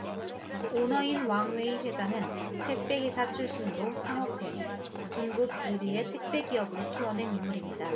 오너인 왕웨이 회장은 택배 기사 출신으로 창업해 중국 일 위의 택배 기업으로 키워 낸 인물입니다